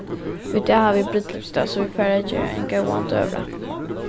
í dag hava vit brúdleypsdag so vit fara at gera ein góðan døgurða